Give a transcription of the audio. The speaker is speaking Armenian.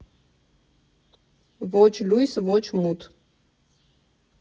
Ոչ լույս, ոչ մութ։